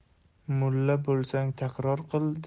mulla bo'lsang takror qil